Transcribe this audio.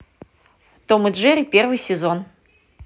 том и джерри первый сезон